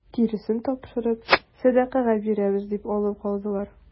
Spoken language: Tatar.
Тиресен тапшырып сәдакага бирәбез дип алып калдылар.